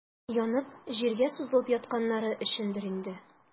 Янып, җиргә сузылып ятканнары өчендер инде.